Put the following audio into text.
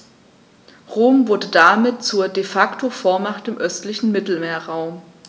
Rom wurde damit zur ‚De-Facto-Vormacht‘ im östlichen Mittelmeerraum.